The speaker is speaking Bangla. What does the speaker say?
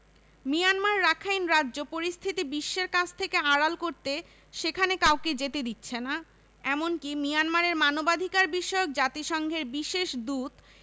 মিয়ানমার রাখাইন রাজ্য পরিস্থিতি বিশ্বের কাছ থেকে আড়াল করতে সেখানে কাউকে যেতে দিচ্ছে না এমনকি মিয়ানমারে মানবাধিকারবিষয়ক জাতিসংঘের বিশেষ দূত